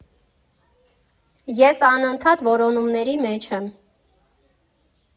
Ես անընդհատ որոնումների մեջ եմ։